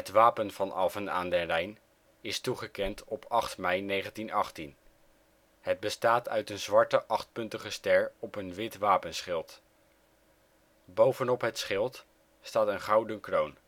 wapen van Alphen aan den Rijn is toegekend op 8 mei 1918; het bestaat uit een zwarte achtpuntige ster op een wit wapenschild. Bovenop het schild staat een gouden kroon